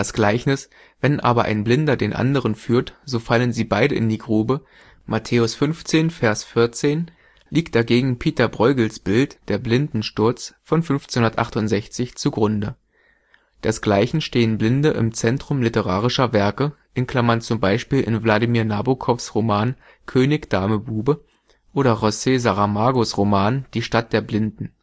Gleichnis „ Wenn aber ein Blinder den anderen führt, so fallen sie beide in die Grube “(Mt 15,14) liegt dagegen Pieter Brueghels Bild Der Blindensturz von 1568 zugrunde. Desgleichen stehen Blinde im Zentrum literarischer Werke (z. B. in Vladimir Nabokovs Roman „ König Dame Bube “oder José Saramagos Roman " Die Stadt der Blinden